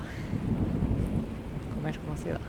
Hva mer skal man si, da?